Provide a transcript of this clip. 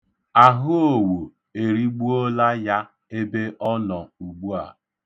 Ahụowu erigbuola ya ebe ọ nọ ugbua.